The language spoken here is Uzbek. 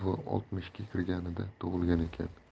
oltmishga kirganda tug'ilgan ekan